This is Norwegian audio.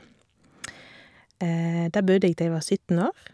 Der bodde jeg til jeg var sytten år.